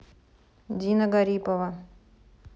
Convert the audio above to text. дина гарипова